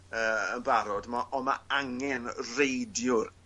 yy yn barod mo- on' ma' angen reidiwr